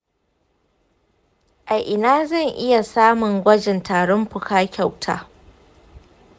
a ina zan iya samun gwajin tarin fuka kyauta?